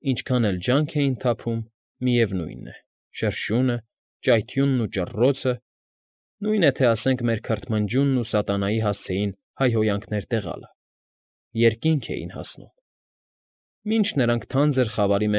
Ինչքան էլ ջանք էին թափում, միևնույն է, շրշյունը, ճայթյուննն ու ճռռոցը (նույնն է թե ասենք մեր քրթմնջյունն ու սատանայի հասեցին հայհոյանքներ տեղալը) երկինք էին հասնում, մինչ նրանք թանձր խավարի։